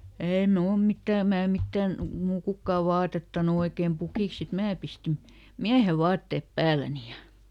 ei minulla mitään minä mitään minua kukaan vaatettanut oikein pukiksi sitten minä pistin miehen vaatteet päälleni ja